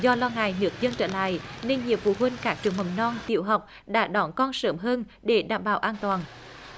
do lo ngại nước dâng trở lại nên nhiều phụ huynh các trường mầm non tiểu học đã đón con sớm hơn để đảm bảo an toàn